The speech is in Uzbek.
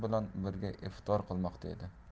bilan birga iftor qilmoqda edi